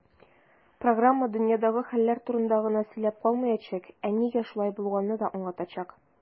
Программа "дөньядагы хәлләр турында гына сөйләп калмаячак, ә нигә шулай булганын да аңлатачак".